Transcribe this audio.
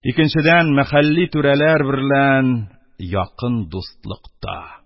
Икенчедән, мәхәлли түрәләр берлән якын дустлыкта.